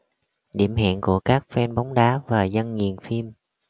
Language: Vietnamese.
điểm hẹn của cả fan bóng đá và dân nghiền phim